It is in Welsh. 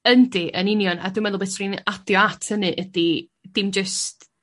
Yndi yn union a dwin meddwl be' swn i'n adio at hynny ydi dim jyst